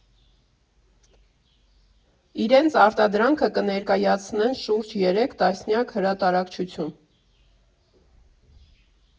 Իրենց արտադրանքը կներկայացնեն շուրջ երեք տասնյակ հրատարակչություն։